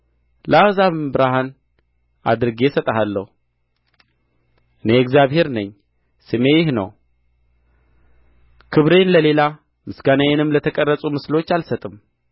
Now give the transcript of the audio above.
ለአሕዛብም ብርሃን አድርጌ እሰጥሃለሁ እኔ እግዚአብሔር ነኝ ስሜ ይህ ነው ክብሬን ለሌላ ምስጋናዬንም ለተቀረጹ ምስሎች አልሰጥም